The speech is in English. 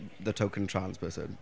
the token trans person.